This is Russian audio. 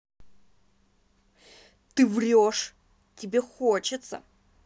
ты врешь тебе хочется